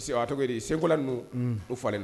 Tori segu n' o falenlen na